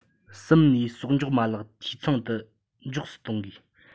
གསུམ ནས གསོག འཇོག མ ལག འཐུས ཚང དུ མགྱོགས སུ གཏོང དགོས